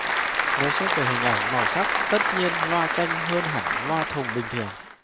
nếu xét về hình ảnh màu sắc tất nhiên loa tranh hơn hẳn loa thùng bình thường